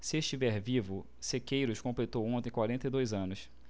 se estiver vivo sequeiros completou ontem quarenta e dois anos